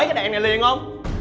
cái đèn này liền hông